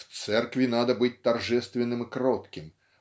В церкви надо быть торжественным и кротким